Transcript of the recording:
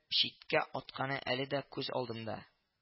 Иткә атканы әле дә күз алдымда: ә